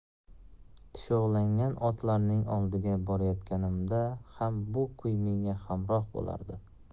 tushovlangan otlarning oldiga borayotganimda ham bu kuy menga hamroh bo'lardi